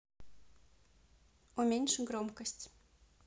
уменьши громкость